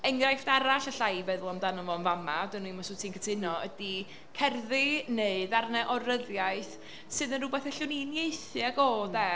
Enghraifft arall, ella, i feddwl amdano fo yn fama, dw'n i'm os wyt ti'n cytuno, ydi cerddi neu ddarnau o ryddiaeth sydd yn rywbeth allwn ni unieitho ag o ynde.